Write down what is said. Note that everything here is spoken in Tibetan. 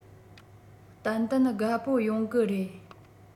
ཏན ཏན དགའ པོ ཡོང གི རེད